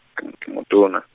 ke m-, ke motona.